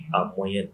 A ko ye